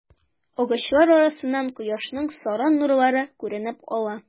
Агачлар арасыннан кояшның саран нурлары күренеп ала.